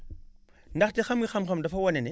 ndaxte xam nga xam-xam dafa wane ne